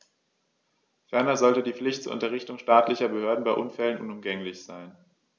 Ferner sollte die Pflicht zur Unterrichtung staatlicher Behörden bei Unfällen unumgänglich sein.